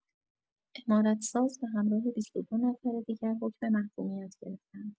عمارت ساز به همراه ۲۲ نفر دیگر حکم محکومیت گرفتند.